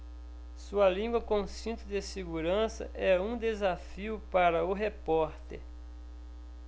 sua língua com cinto de segurança é um desafio para o repórter